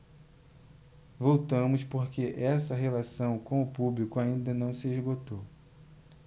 voltamos porque essa relação com o público ainda não se esgotou